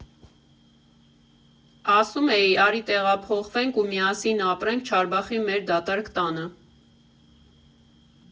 Ասում էի՝ արի տեղափոխվենք ու միասին ապրենք Չարբախի մեր դատարկ տանը։